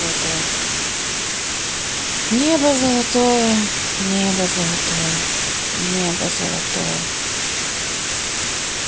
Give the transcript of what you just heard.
небо золотое небо золотое небо золотое